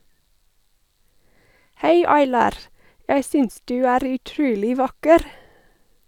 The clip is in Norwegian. Hei Aylar, jeg synes du er utrolig vakker!